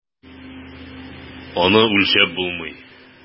Аны үлчәп булмый.